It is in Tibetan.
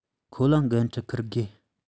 ཁོ ལ གྱི འགན འཁྲི འཁུར དགོས